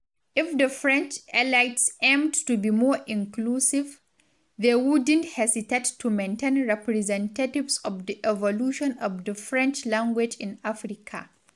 If the French elites aimed to be more inclusive, they wouldn't hesitate to maintain representatives of the evolution of the French language in Africa.